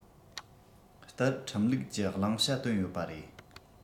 ལྟར ཁྲིམས ལུགས ཀྱི བླང བྱ བཏོན ཡོད པ རེད